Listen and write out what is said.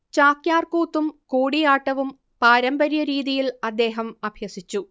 ചാക്യാർ കൂത്തും കൂടിയാട്ടവും പാരമ്പര്യ രീതിയിൽ അദ്ദേഹം അഭ്യസിച്ചു